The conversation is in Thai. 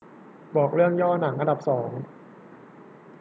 บอกเรื่องย่อหนังอันดับสอง